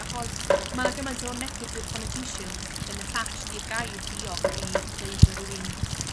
Achos ma' 'na gymaint o negative connotations yn attatched i'r gair diog i ddeud bo' rywun